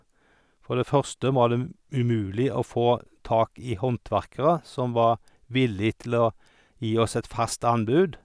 For det første var det m umulig å få tak i håndverkere som var villig til å gi oss et fast anbud.